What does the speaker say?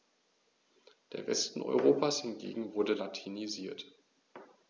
Der Westen Europas hingegen wurde latinisiert.